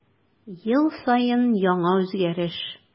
Ел саен яңа үзгәреш.